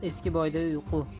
yo'q eski boyda uyqu